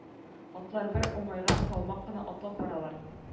Атлар бер уңайга салмак кына атлап баралар